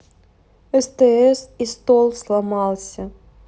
стс и стол сломался